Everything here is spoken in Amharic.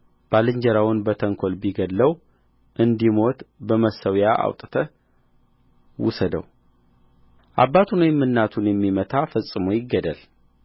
ባልጀራውን በተንኰል ቢገድለው እንዲሞት ከመሠዊያዬ አውጥተህ ውሰደው አባቱን ወይም እናቱን የሚመታ ፈጽሞ ይገደል